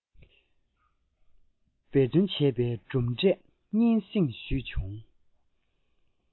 འབད བརྩོན བྱས བའི གྲུབ འབྲས སྙན སེང ཞུས བྱུང